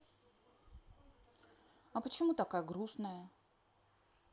а почему такая грустная